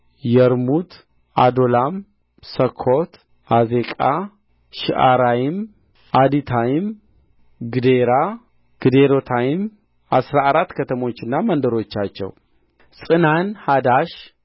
የርሙት ዓዶላም ሰኰት ዓዜቃ ሽዓራይም ዓዲታይም ግዴራ ግዴሮታይም አሥራ አራት ከተሞችና መንደሮቻቸው ጽናን ሐዳሻ